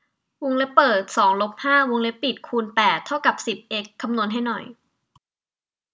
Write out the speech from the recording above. วงเล็บเปิดสองลบห้าวงเล็บปิดคูณแปดเท่ากับสิบเอ็กซ์คำนวณให้หน่อย